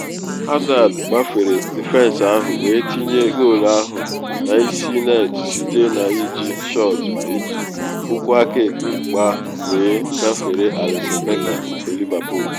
Hazard gbafere dịfensị ahụ wee tinye goolu ahụ n’isi net site na iji shọt eji ụkwụ akaekpe gbaa wee gafere Alisson Becker nke Liverpool.